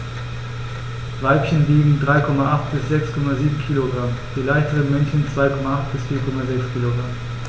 Weibchen wiegen 3,8 bis 6,7 kg, die leichteren Männchen 2,8 bis 4,6 kg.